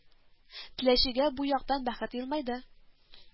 Теләчегә бу яктан бәхет елмайды